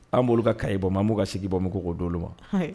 An' b'olu ka cahier bɔ min an b'o ka sac bɔ min ko k'o d'olu ma hayo